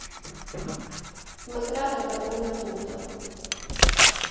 Մկրատը կտրում է թուղթը։